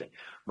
lly.